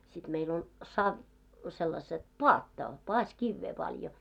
sitten meillä oli - sellaiset paatta paasikiveä paljon